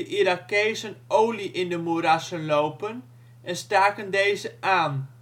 Irakezen olie in de moerassen lopen en staken deze aan